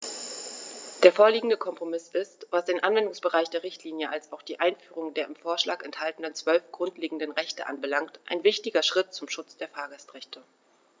Der vorliegende Kompromiss ist, was den Anwendungsbereich der Richtlinie als auch die Einführung der im Vorschlag enthaltenen 12 grundlegenden Rechte anbelangt, ein wichtiger Schritt zum Schutz der Fahrgastrechte.